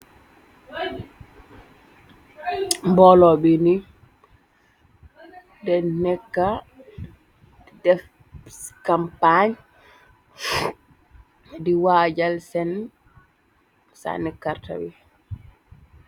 Mboolo bi ni de nekk def kampañ di waajal seen sannikarta wi.